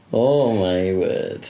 Oh my word.